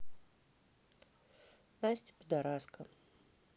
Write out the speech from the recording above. настя пидораска